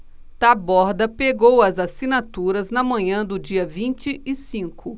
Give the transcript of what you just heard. taborda pegou as assinaturas na manhã do dia vinte e cinco